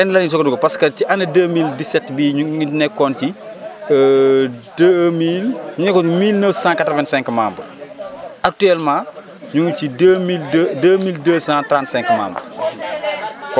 ren la ñuy soog a dugg parce que ci année 2017 bii ñu ngi nekkoon ci 2000 ñu ngi nekkoon 1985 membres actuellement ñu ngi ci deux mille deux 2235 membres